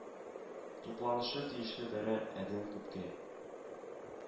Тупланышы тиешле дәрә әдән күпкә